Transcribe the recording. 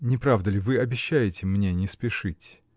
Не правда ли, вы обещаетесь мне не спешить?